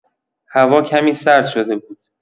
هوا کمی سرد شده بود.